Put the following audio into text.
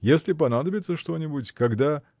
Если понадобится что-нибудь, когда.